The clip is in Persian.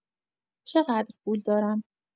چه‌قدر پول دارم؟